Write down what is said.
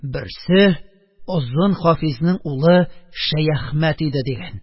Берсе Озын Хафизның улы Шәяхмәт иде... - дигән.